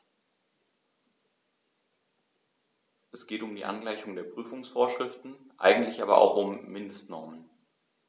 Es geht um die Angleichung der Prüfungsvorschriften, eigentlich aber auch um Mindestnormen.